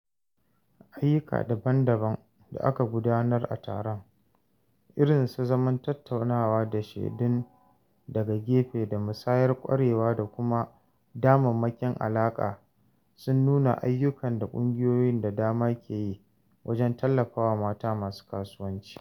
Ayyuka daban-daban da aka gudanar a taron, irin su zaman tattaunawa da shaidun daga gefe da musayar ƙwarewa da kuma damammakin alaƙa sun nuna ayyukan da ƙungiyoyi da dama ke yi wajen tallafawa mata masu kasuwanci.